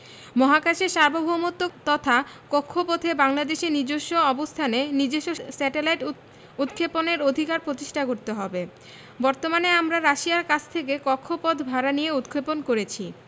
মহাকাশের সার্বভৌমত্ব তথা কক্ষপথে বাংলাদেশের নিজস্ব অবস্থানে নিজস্ব স্যাটেলাইট উৎক্ষেপণের অধিকার প্রতিষ্ঠা করতে হবে বর্তমানে আমরা রাশিয়ার কাছ থেকে কক্ষপথ ভাড়া নিয়ে উৎক্ষেপণ করেছি